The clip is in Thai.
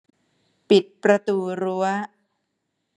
ปิดประตูรั้ว